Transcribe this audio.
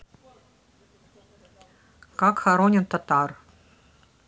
как хоронят татар